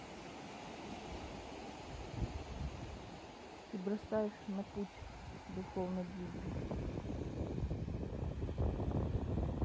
ты бросаешь на путь духовной гибели